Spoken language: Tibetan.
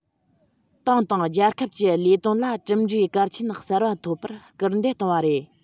ཏང དང རྒྱལ ཁབ ཀྱི ལས དོན ལ གྲུབ འབྲས གལ ཆེན གསར པ འཐོབ པར སྐུལ འདེད བཏང བ རེད